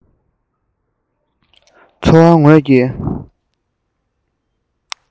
འཚོ བ དངོས ཀྱི